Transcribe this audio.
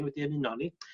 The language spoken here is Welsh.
...wedi ymuno ni.